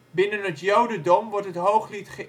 Binnen het jodendom wordt het Hooglied